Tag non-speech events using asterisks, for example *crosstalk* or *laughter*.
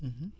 *hesitation* *hesitation*